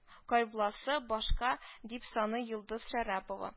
Кайбласы башка, - дип саный йолдыз шәрәпова